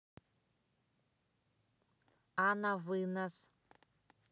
а на вынос